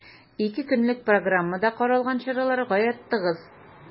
Ике көнлек программада каралган чаралар гаять тыгыз.